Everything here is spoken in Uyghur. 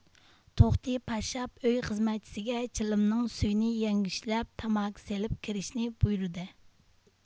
توختى پاششاپ ئۆي خىزمەتچىسىگە چىلىمنىڭ سۈيىنى يەڭگۈشلەپ تاماكا سېلىپ كىرىشىنى بۇيرىدى